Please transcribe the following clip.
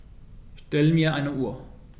Stell mir eine Uhr.